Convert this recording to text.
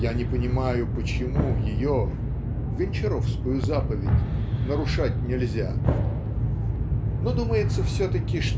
я не понимаю, почему ее (гончаровскую заповедь) нарушать нельзя". Но думается все-таки